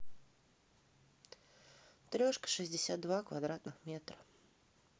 трешка шестьдесят два квадратных метра